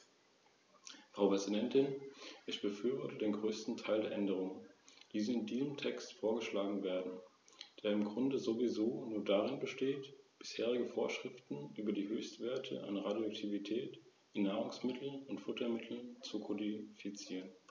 Zu dieser Verbrauchergruppe gehören vor allem Klein- und Mittelbetriebe, Händler und Familienunternehmen, und über EU-Instrumente, die Klein- und Mittelbetriebe finanziell unterstützen sollen, wurde gerade in dieser Sitzungsperiode diskutiert.